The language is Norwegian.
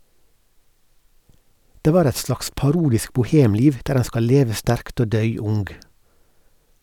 Det var eit slags parodisk bohemliv der ein skal leve sterkt og døy ung.